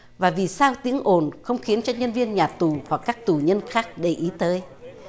và vì sao tiếng ồn không khiến cho nhân viên nhà tù hoặc các tù nhân khác để ý tới